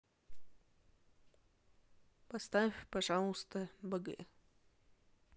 поставь пожалуйста бг